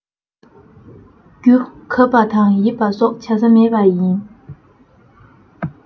རྒྱུ གབ པ དང ཡིབ པ སོགས བྱ ས མེད པས ཡིན